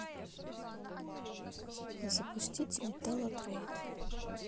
запустить металлотрейд